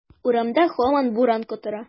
Урамда һаман буран котыра.